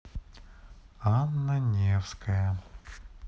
анна невская